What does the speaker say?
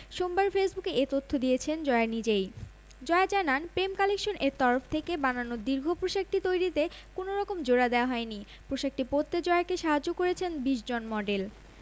সোমবার ফেসবুকে এ তথ্য দিয়েছেন জয়া নিজেই জয়া জানান প্রেম কালেকশন এর তরফ থেকে বানানো দীর্ঘ পোশাকটি তৈরিতে কোনো রকম জোড়া দেয়া হয়নি পোশাকটি পরতে জয়াকে সাহায্য করেছেন ২০ জন মডেল